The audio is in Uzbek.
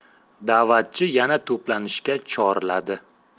da'vatchi yana to'planishga chorladi